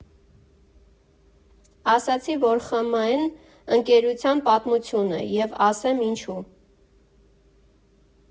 Ասացի, որ ԽՄԷ֊ն ընկերության պատմություն է, և ասեմ ինչու։